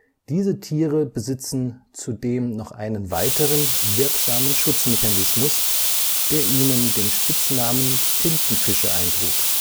Diese Tiere besitzen zudem noch einen weiteren, wirksamen Schutzmechanismus, der ihnen den Spitznamen Tintenfische eintrug